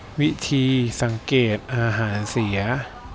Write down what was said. วิธีสังเกตุอาหารเสีย